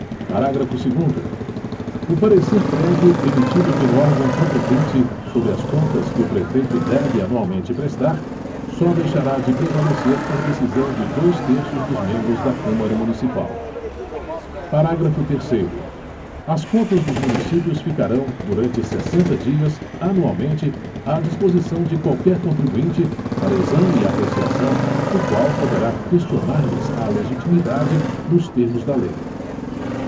parágrafo segundo o parecer prévio emitido pelo órgão competente sobre as contas que o prefeito deve anualmente prestar só deixará de prevalecer por decisão de dois terços dos membros da câmara municipal parágrafo terceiro as contas dos municípios ficarão durante sessenta dias anualmente à disposição de qualquer contribuinte para exame e apreciação o qual poderá questionar lhes a legitimidade nos termos da lei